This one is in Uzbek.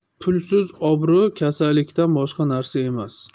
pulsiz obro 'kasallikdan boshqa narsa emas